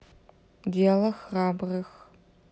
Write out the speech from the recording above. дело храбрых